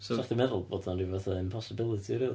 'Sa chdi'n meddwl bod o'n rhyw fath o impossibility rili.